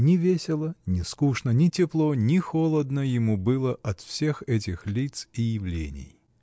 Ни весело, ни скучно, ни тепло, ни холодно ему было от всех этих лиц и явлений.